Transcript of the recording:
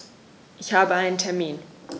Ich habe einen Termin.